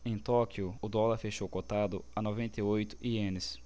em tóquio o dólar fechou cotado a noventa e oito ienes